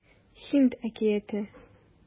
Һинд әкияте